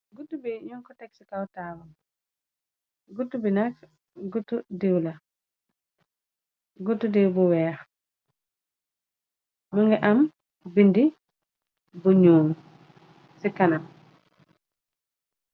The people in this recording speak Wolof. Gudt bi ñoon ko teg ci kawtaamu gudt bi nak gudtu diiw bu weex më nga am bindi bu ñuu ci kana.